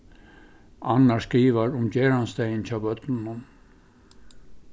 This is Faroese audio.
annar skrivar um gerandisdagin hjá børnunum